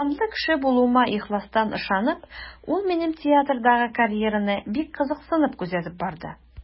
Талантлы кеше булуыма ихластан ышанып, ул минем театрдагы карьераны бик кызыксынып күзәтеп барды.